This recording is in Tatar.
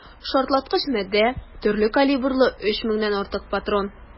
Шартлаткыч матдә, төрле калибрлы 3 меңнән артык патрон.